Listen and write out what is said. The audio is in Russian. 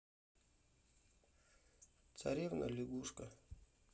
царевна лягушка